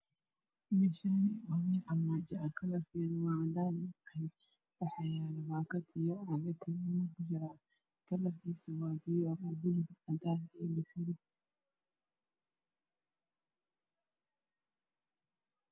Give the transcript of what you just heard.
Meeshaani waa meel cagaar kalarkeedu cadaan waxa yaalo baakad kalarkisa cadaan